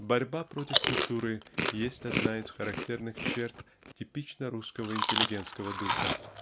Борьба против культуры есть одна из характерных черт типично русского интеллигентского духа